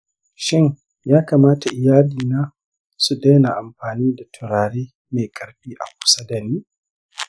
shin ya kamata iyalina su daina amfani da turare mai ƙarfi a kusa da ni?